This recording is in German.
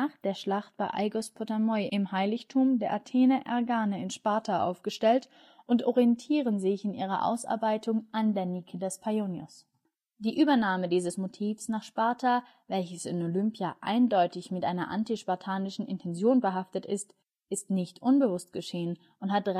Heiligtum der Athena Ergane in Sparta aufgestellt und orientieren sich in ihrer Ausarbeitung an der Nike des Paionios. Die Übernahme dieses Motivs nach Sparta, welches in Olympia eindeutig mit einer antispartanischen Intention behaftet ist, ist nicht unbewusst geschehen und hat rein denkmalspolitische Hintergründe